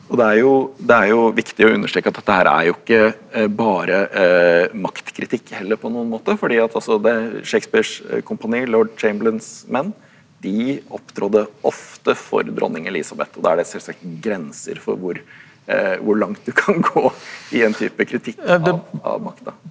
og det er jo det er jo viktig å understreke at at dette her er jo ikke bare maktkritikk heller på noen måte fordi at altså det Shakespeares kompani lord Chamberlains menn de opptrådde ofte for dronning Elizabeth og da er det selvsagt grenser for hvor hvor langt du kan gå i en type kritikk av av makta.